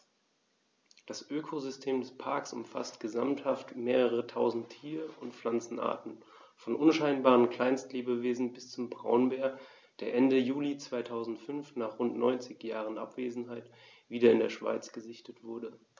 Das Ökosystem des Parks umfasst gesamthaft mehrere tausend Tier- und Pflanzenarten, von unscheinbaren Kleinstlebewesen bis zum Braunbär, der Ende Juli 2005, nach rund 90 Jahren Abwesenheit, wieder in der Schweiz gesichtet wurde.